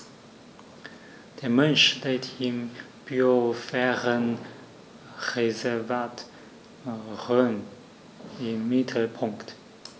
Der Mensch steht im Biosphärenreservat Rhön im Mittelpunkt.